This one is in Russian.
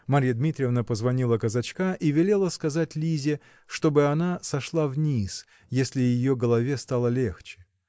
Марья Дмитриевна позвонила казачка и велела сказать Лизе, чтобы она сошла вниз, если ее голове стало легче.